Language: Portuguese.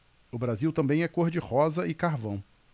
o brasil também é cor de rosa e carvão